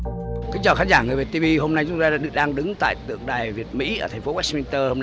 kính chào khán giả người việt ti vi hôm nay chúng ta đang đứng tại tượng đài việt mỹ ở thành phố goa sin tơ